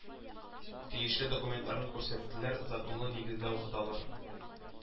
Тиешле документларын күрсәттеләр, законлы нигездә укыталар